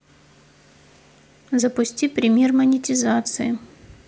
запусти пример монетизации